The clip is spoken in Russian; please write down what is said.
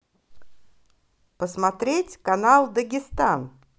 посмотреть канал дагестан